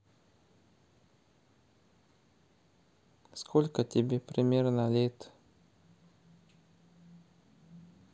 сколько тебе примерно лет